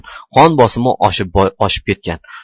qon bosimi oshib ketgan